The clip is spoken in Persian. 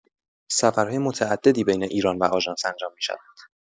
سفرهای متعددی بین ایران و آژانس انجام می‌شود.